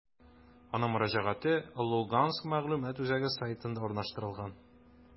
Аның мөрәҗәгате «Луганск мәгълүмат үзәге» сайтында урнаштырылган.